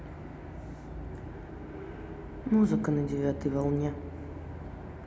музыка на девятой волне